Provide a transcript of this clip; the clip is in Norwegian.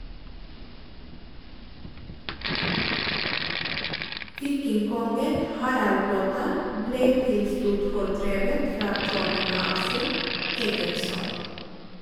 Vikingkongen Harald Blåtann ble til slutt fordrevet fra tronen av sin egen sønn.